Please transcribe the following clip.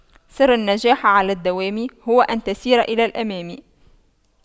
سر النجاح على الدوام هو أن تسير إلى الأمام